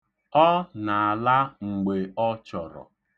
Ọ na-ala mgbe ọ chọrọ.